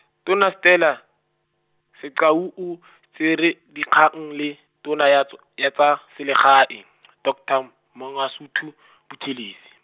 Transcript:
tona Stella, Sigcau o, tsere dikgang le, tona ya ts-, ya tsa, selegae , doctor Mangosuthu Buthelezi.